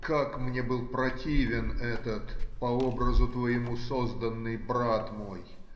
Как мне был противен этот, по образу твоему созданный, брат мой!